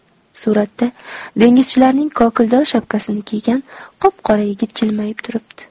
suratda dengizchilarning kokildor shapkasini kiygan qop qora yigit jilmayib turibdi